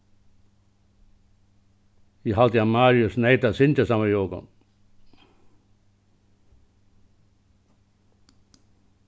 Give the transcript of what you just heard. eg haldi at marius neyt at syngja saman við okkum